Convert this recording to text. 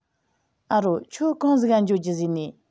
ཨ རོ ཁྱོད གང ཟིག ག འགྱོ རྒྱུ བཟེས ནས